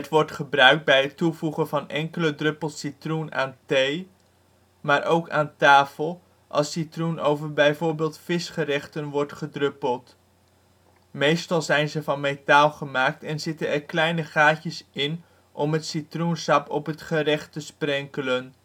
wordt gebruikt bij het toevoegen van enkele druppels citroen aan thee, maar ook aan tafel, als citroen over bijv. visgerechten wordt gedruppeld. Meestal zijn ze van metaal gemaakt en zitten er kleine gaatjes in om het citroensap op het gerecht te sprenkelen